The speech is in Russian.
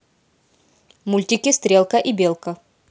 мультики стрелка и белка